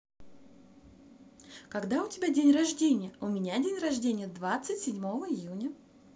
когда у тебя день рождения у меня день рождения двадцать седьмого июня